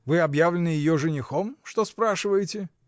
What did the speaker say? Вы объявлены ее женихом, что спрашиваете?.